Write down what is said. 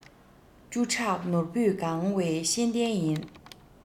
བཅུ ཕྲག ནོར བུས གང བའི ཤེས ལྡན ཡིན